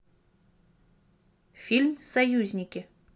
фильм союзники